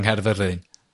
Nghaerfyrddin?